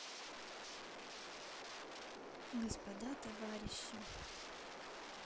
господа товарищи